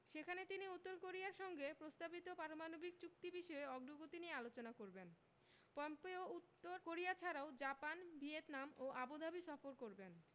সেখানে তিনি উত্তর কোরিয়ার সঙ্গে প্রস্তাবিত পারমাণবিক চুক্তি বিষয়ে অগ্রগতি নিয়ে আলোচনা করবেন পম্পেও উত্তর কোরিয়া ছাড়াও জাপান ভিয়েতনাম ও আবুধাবি সফর করবেন